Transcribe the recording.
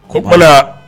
Ko bala